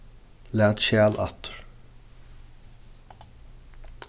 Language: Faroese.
lat skjal aftur